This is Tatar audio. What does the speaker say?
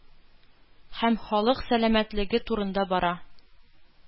Һәм халык сәламәтлеге турында бара.